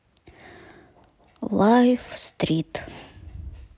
лайф стрит